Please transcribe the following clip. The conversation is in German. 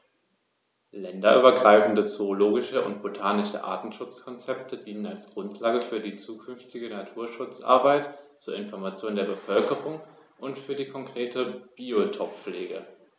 Länderübergreifende zoologische und botanische Artenschutzkonzepte dienen als Grundlage für die zukünftige Naturschutzarbeit, zur Information der Bevölkerung und für die konkrete Biotoppflege.